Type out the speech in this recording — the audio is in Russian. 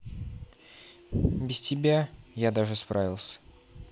без тебя я даже справился